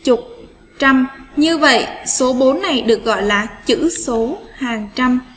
chục trăm như vậy số này được gọi là chữ số hàng trăm